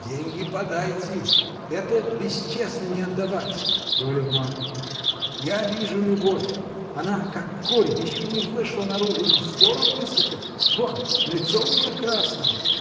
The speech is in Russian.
— Деньги подайте — это бесчестно не отдавать, — говорил Марк, — я вижу любовь: она, как корь, еще не вышла наружу, но скоро высыпет. Вон лицо уже красное!